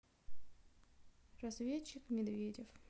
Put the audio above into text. разведчик медведев